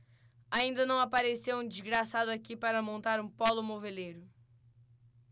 ainda não apareceu um desgraçado aqui para montar um pólo moveleiro